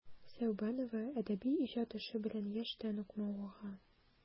Сәүбанова әдәби иҗат эше белән яшьтән үк мавыга.